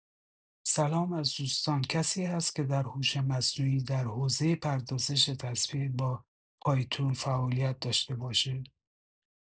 سلام از دوستان کسی هست که در هوش مصنوعی در حوزه پردازش تصویر با پایتون فعالیت داشته باشه؟